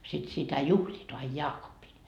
sitten sitä juhlivat aina jaakoppina